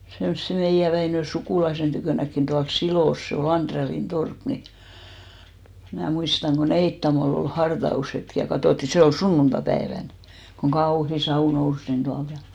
semmoisen meidän Väinön sukulaisen tykönäkin tuolla Silossa se oli Andrellin torppa niin minä muistan kun Neittamolla oli hartaushetki ja katsottiin se oli sunnuntaipäivänä kun kauhea savu nousi niin tuolta ja